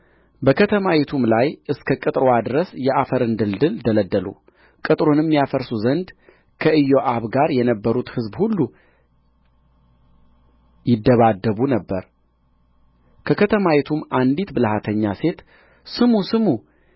በከተማይቱም ላይ እስከ ቅጥርዋ ድረስ የአፈርን ድልድል ደለደሉ ቅጥሩንም ያፈርሱ ዘንድ ከኢዮአብ ጋር የነበሩ ሕዝብ ሁሉ ይደባደቡ ነበር ከከተማይቱም አንዲት ብልሃተኛ ሴት ስሙ ስሙ